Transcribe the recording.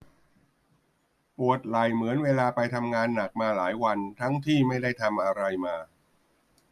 ปวดไหล่เหมือนเวลาไปทำงานหนักมาหลายวันทั้งที่ไม่ได้ทำอะไรมา